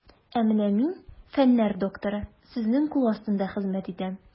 Ә менә мин, фәннәр докторы, сезнең кул астында хезмәт итәм.